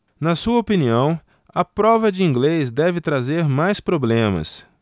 na sua opinião a prova de inglês deve trazer mais problemas